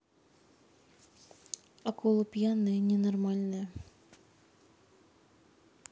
акула пьяная ненормальная